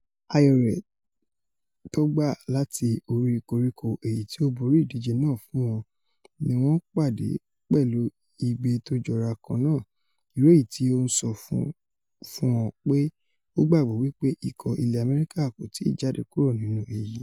Ayó rẹ̀ tógbá láti orí koríko èyití ó borí ìdíje náà fún wọn níwọn pàdé pẹ̀lú igbe tójọra kan náà, irú èyití ó nsọ fún ọ pé ó gbàgbọ́ wí pé ikọ̀ ilẹ̀ Amẹrika kò tíì jáde kúró nínú èyí.